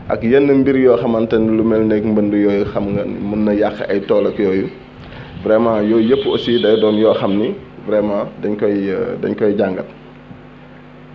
ak yenn mbir yoo xamante ni lu mel ne mbënd yooyu xam nga ni mën na yàq ay tool ak yooyu vraiment yooyu yëpp aussi day doon yoo xam ni vraiment dañ koy dañ koy jàngat